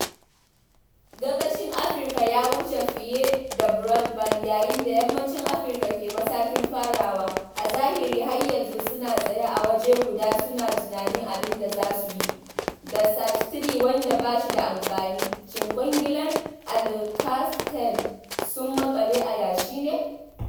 Gabashin Afirka ya wuce fiye da broadband… yayin da Yammacin Afirka ke matakin farawa, (a zahiri, har yanzu suna tsaye a waje guda suna tunanin abin da za su yi), da SAT3 wanda bashi da amfani, (shin 'yan kwangilar Alcatel sun maƙale a yashi ne?